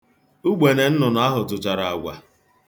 Ugbene nnụnụ ahụ tụchara agwa.